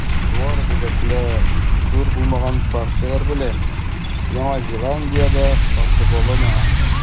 Чуар бөҗәкләр, зур булмаган партияләр белән, Яңа Зеландиядә сатып алына.